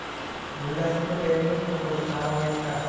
mullasi ko'p elning to'qlisi haromga chiqar